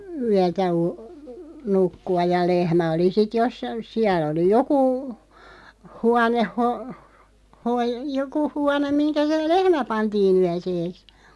yötä - nukkua ja lehmä oli sitten jossakin siellä oli joku huone -- joku huone mihinkä se lehmä pantiin yöksi